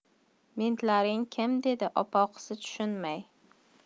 mentlaring kim dedi opoqisi tushunmay